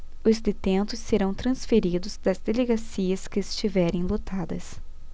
os detentos serão transferidos das delegacias que estiverem lotadas